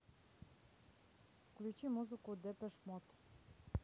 включи музыку депеш мод